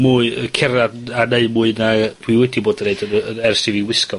mwy yy cerddad a neud mwy na yy dwi wedi bod yn neud yn y, ers i fi wisgo...